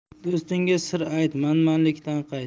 do'stingga sir ayt manmanlikdan qayt